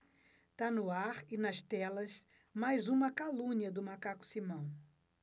tá no ar e nas telas mais uma calúnia do macaco simão